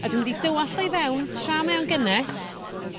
a dwi' mynd i dywalld o i fewn tra mae o'n gynes